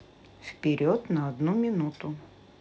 вперед на одну минуту